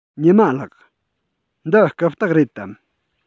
ཉི མ ལགས འདི རྐུབ སྟེགས རེད དམ